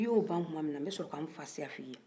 ni y'o ban tuma mina n bɛ sɔrɔ ka n fa siya fɔye